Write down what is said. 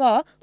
ক